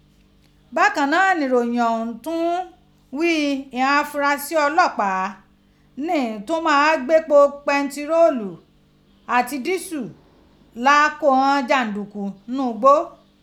Bakan naa ni iroyin ọhún tun ghii ighan afurasi ọlọpaa ni tún máa n gbe epo bentiroolu ati disu lọ koghan janduku ninu igbo.